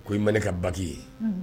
Ko i ma ne ka baki ye